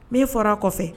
Min fɔra a kɔfɛ